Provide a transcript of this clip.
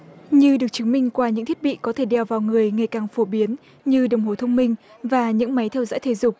như được chứng minh qua những thiết bị có thể đeo vào người ngày càng phổ biến như đồng hồ thông minh và những máy theo dõi thể dục